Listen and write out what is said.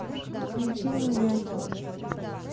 включи мияги